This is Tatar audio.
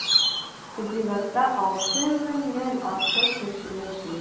Комбинатта 6 меңнән артык кеше эшли.